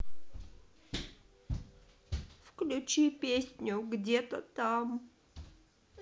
включи песню где то там